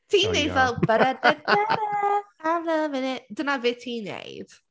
Ti’n wneud fel… by-ry by de-reh… I’m lovin’ it, dyna be ti’n wneud.